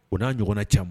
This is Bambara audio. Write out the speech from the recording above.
O n'a ɲɔgɔnna caman